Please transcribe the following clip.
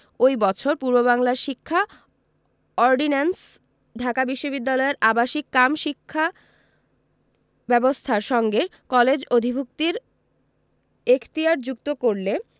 ওই বছর পূর্ববাংলার শিক্ষা অর্ডিন্যান্স ঢাকা বিশ্ববিদ্যালয়ের আবাসিক কাম শিক্ষা ব্যবস্থার সঙ্গে কলেজ অধিভুক্তির এখতিয়ার যুক্ত করলে